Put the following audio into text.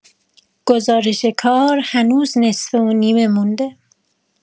گزارش کار هنوز نصفه و نیمه مونده